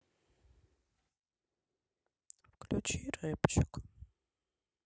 включи рэпчик